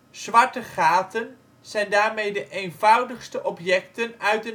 Zwarte gaten zijn daarmee de " eenvoudigste " objecten uit